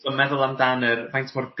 So'n meddwl amdan yr faint mor